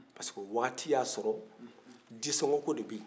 parce que o waati y'a sɔrɔ disɔngɔko de bɛ yen